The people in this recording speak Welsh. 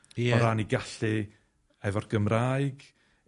Ie. O ran 'u gallu efo'r Gymraeg.